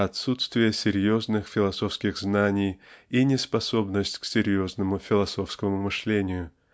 отсутствие серьезных философских знаний и неспособность к серьезному философскому мышлению.